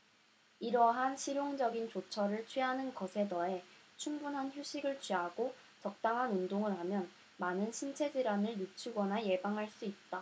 이러한 실용적인 조처를 취하는 것에 더해 충분한 휴식을 취하고 적당한 운동을 하면 많은 신체 질환을 늦추거나 예방할 수 있다